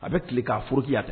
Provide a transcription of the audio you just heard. A bɛ tile k'a foroki a tɛ